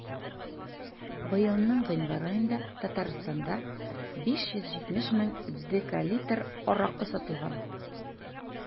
Быелның гыйнвар аенда Татарстанда 570 мең декалитр аракы сатылган.